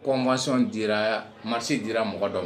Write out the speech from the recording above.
Kɔn gansɔn jirara marisi jirara mɔgɔ dɔ